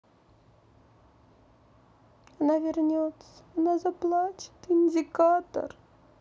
она вернется она заплачет индикатор